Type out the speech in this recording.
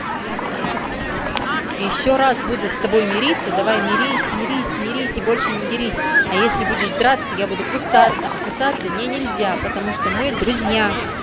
я еще раз буду с тобой мириться давай мери смирись смирись и больше не дерись а если будешь драться я буду кусаться а кусаться не нельзя потому что мы друзья